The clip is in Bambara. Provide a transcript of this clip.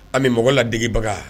An bɛ mɔgɔ ladeigibaga